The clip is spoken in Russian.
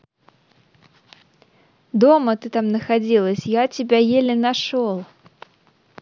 дома ты там находилась я тебя еле нашел